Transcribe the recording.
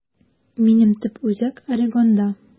Минем төп үзәк Орегонда.